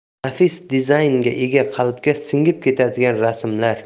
nafis dizaynga ega qalbga singib ketadigan rasmlar